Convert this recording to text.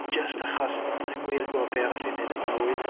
Jyst achos do'n i'm wir yn gwbod be arall i wneud efo mywyd.